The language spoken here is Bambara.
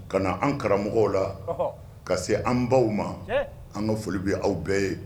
Ka na an karamɔgɔ la ka se an baw ma an ka folibi aw bɛɛ ye